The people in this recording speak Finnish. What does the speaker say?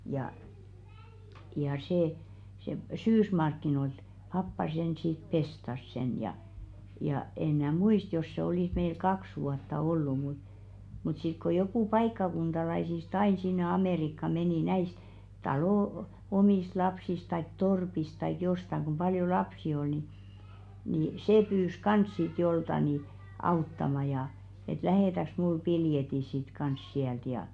ja ja se se syysmarkkinoilta pappa sen sitten pestasi sen ja ja en minä muista jos se olisi meillä kaksi vuotta ollut mutta mutta sitten kun joku paikkakuntalaisista aina sinne Amerikkaan meni näistä talon omista lapsista tai torpista tai jostakin kun paljon lapsia oli niin niin se pyysi kanssa sitten joltakin niin auttamaan ja että lähetätkös minulle piletin sitten kanssa sieltä ja